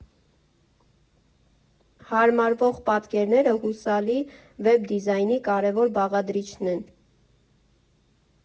Հարմարվող պատկերները հուսալի վեբ դիզայնի կարևոր բաղադրիչն են։